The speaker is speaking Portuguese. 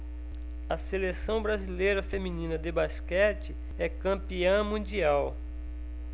a seleção brasileira feminina de basquete é campeã mundial